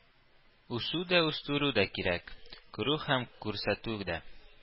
Үсү дә үстерү дә кирәк, күрү һәм күрсәтү дә.